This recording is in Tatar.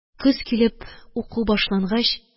Көз килеп уку башлангач,